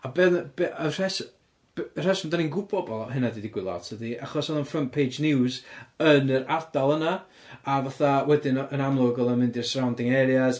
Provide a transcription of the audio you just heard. a be' oedd y... be y rhes- b- y rheswm dan ni'n gwybod bod hynna 'di digwydd lot ydi, achos roedd o'n front page news yn yr ardal yna, a fatha wedyn y- yn amlwg oedd o'n mynd i'r surrounding areas.